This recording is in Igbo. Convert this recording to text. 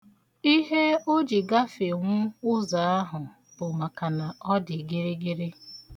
Ihe o ji gafenwu ụzọ ahụ bụ maka na ọ dị gịrịgịrị.